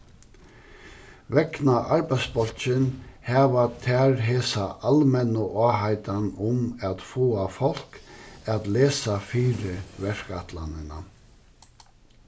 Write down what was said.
vegna arbeiðsbólkin hava tær hesa almennu áheitan um at fáa fólk at lesa fyri verkætlanina